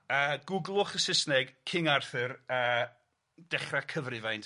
a gwglwch y Sysneg King Arthur a dechra cyfrifaint